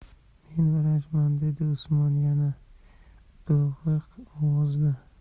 men vrachman dedi usmon yana bo'g'iq ovozda